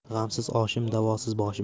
g'amsiz oshim da'vosiz boshim